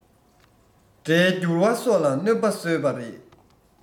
སྒྲའི འགྱུར བ སོགས ལ གནོད པ བཟོས པ རེད